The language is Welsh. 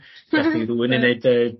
gath ni rywun yn neud yy